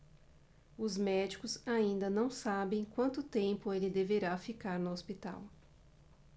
os médicos ainda não sabem quanto tempo ele deverá ficar no hospital